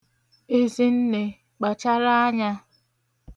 Ezinne, kpachara anya!